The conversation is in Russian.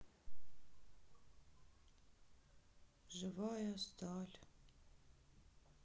живая сталь